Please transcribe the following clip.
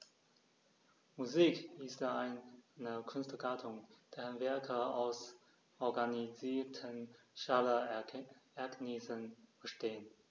Musik ist eine Kunstgattung, deren Werke aus organisierten Schallereignissen bestehen.